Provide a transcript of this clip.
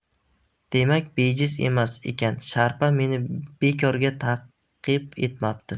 demak bejiz emas ekan sharpa meni bekorga taqib etmabdi